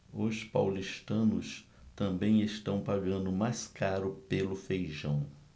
os paulistanos também estão pagando mais caro pelo feijão